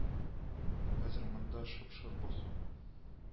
Хәзер монда шып-шыр басу